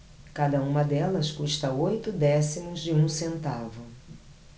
cada uma delas custa oito décimos de um centavo